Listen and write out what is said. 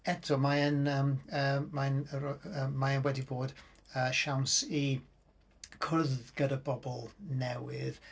Eto, mae e'n... yym yy mae'n ro- mae e'n wedi bod yy siawns i cwrdd gyda bobl newydd.